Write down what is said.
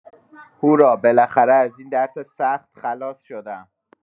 هورا بالاخره از این درس سخت خلاص شدم!